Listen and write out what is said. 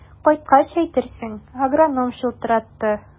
Кайткач әйтерсең, агроном чылтыратты.